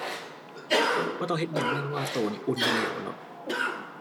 บ่ต้องเฮ็ดอิหยังเลยเพราะว่าตัวนี่อุ่นอยู่แล้วเนาะ